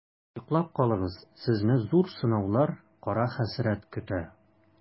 Йоклап калыгыз, сезне зур сынаулар, кара хәсрәт көтә.